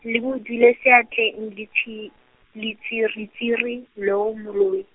le mo dule seatleng letsi-, letsiritsiri, loo moloi.